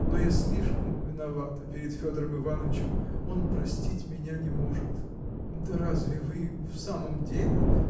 но я слишком виновата перед Федором Иванычем он простить меня не может. -- Да разве вы. в самом деле.